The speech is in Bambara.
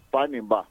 Ba nin